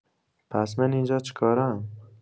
پس من اینجا چه‌کاره ام؟